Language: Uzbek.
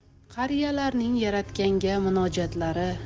qariyalarning yaratganga munojotlari